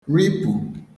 ripụ̀